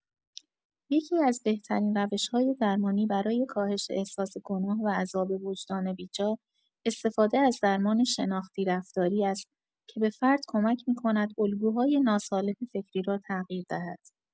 یکی‌از بهترین روش‌های درمانی برای کاهش احساس گناه و عذاب وجدان بی‌جا، استفاده از درمان شناختی-رفتاری است که به فرد کمک می‌کند الگوهای ناسالم فکری را تغییر دهد.